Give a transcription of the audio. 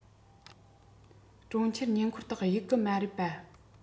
གྲོང ཁྱེར ཉེ འཁོར དག གཡུགས གི མ རེད པཱ